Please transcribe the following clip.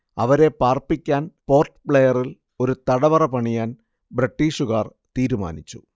അവരെ പാർപ്പിക്കാൻ പോർട്ട് ബ്ലെയറിൽ ഒരു തടവറ പണിയാൻ ബ്രിട്ടീഷുകാർ തീരുമാനിച്ചു